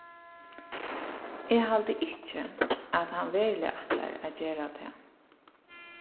eg haldi ikki at hann veruliga ætlar at gera tað